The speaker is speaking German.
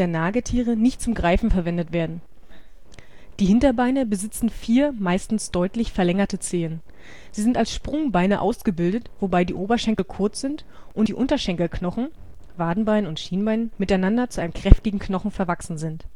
Nagetiere, nicht zum Greifen verwendet werden. Die Hinterbeine besitzen vier meistens deutlich verlängerte Zehen. Sie sind als Sprungbeine ausgebildet, wobei die Oberschenkel kurz sind und die Unterschenkelknochen (Wadenbein und Schienbein) miteinander zu einem kräftigen Knochen verwachsen sind